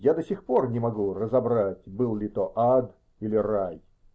Я до сих пор не могу разобрать, был ли то ад или рай.